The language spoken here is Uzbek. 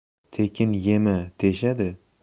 tekin yema teshadi